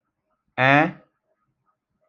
èe